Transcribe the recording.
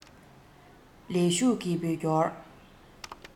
ལས ཞུགས ཀྱི བོད སྐྱོར